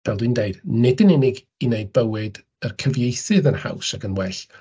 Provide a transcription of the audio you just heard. Fel dwi'n deud, nid yn unig i wneud bywyd y cyfeithydd yn haws ac yn well.